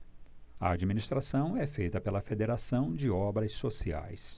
a administração é feita pela fos federação de obras sociais